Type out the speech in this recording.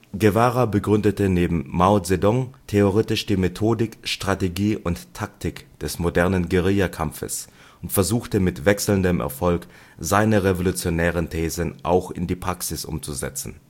Guevara begründete neben Mao Zedong theoretisch die Methodik, Strategie und Taktik des modernen Guerillakampfes und versuchte mit wechselndem Erfolg, seine revolutionären Thesen auch in die Praxis umzusetzen